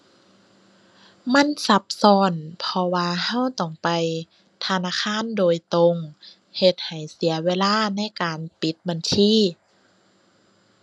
มันซับซ้อน เพราะว่าเราต้องไปธนาคารโดยตรง เฮ็ดให้เสียเวลาในการปิดบัญชี